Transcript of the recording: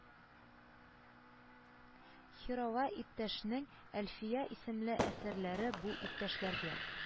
Һирова иптәшнең «әлфия» исемле әсәрләре бу иптәшләргә